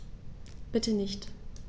Bitte nicht.